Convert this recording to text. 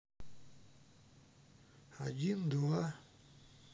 один два